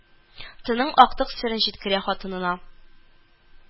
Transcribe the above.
Тының актык серен җиткерә хатынына